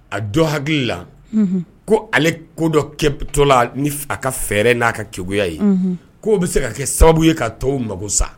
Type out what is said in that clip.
A dɔ hakili la ko ale ko dɔ ke to la a ka fɛɛrɛ n'a ka keya ye k' bɛ se ka kɛ sababu ye ka tɔw mago sa